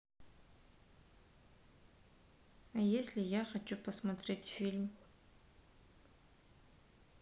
а если я хочу посмотреть фильм